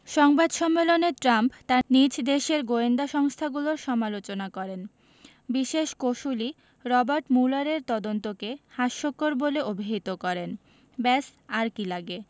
সংবাদ সম্মেলনে ট্রাম্প তাঁর নিজ দেশের গোয়েন্দা সংস্থাগুলোর সমালোচনা করেন বিশেষ কৌঁসুলি রবার্ট ম্যুলারের তদন্তকে হাস্যকর বলে অভিহিত করেন ব্যস আর কী লাগে